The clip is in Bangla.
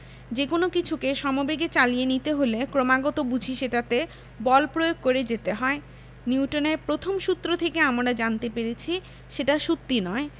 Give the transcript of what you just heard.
যেকোনো কিছুকে সমবেগে চালিয়ে নিতে হলে ক্রমাগত বুঝি সেটাতে বল প্রয়োগ করে যেতে হয় নিউটনের প্রথম সূত্র থেকে আমরা জানতে পেরেছি সেটা সত্যি নয়